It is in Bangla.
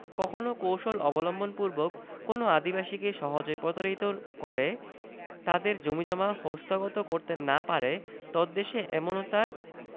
কখনো কৌশল অবলম্বনপূর্বক কোনও আদিবাসীকে সহজে প্রতারিত করে তাদের জমিজমা হস্তগত করতে না পারে তদ্দেশে এমনতার